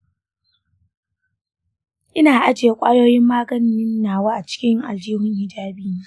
ina ajiye kwayoyin maganin nawa a cikin aljihun hijabi na.